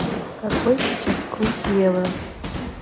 какой сейчас курс евро